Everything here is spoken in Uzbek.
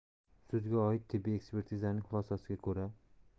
sudga oid tibbiy ekspertizasining xulosasiga ko'ra